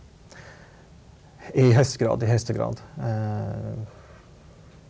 i høyeste grad i høyeste grad .